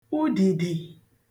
udìdè